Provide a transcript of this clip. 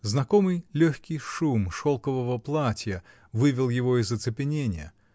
Знакомый легкий шум шелкового платья вывел его из оцепенения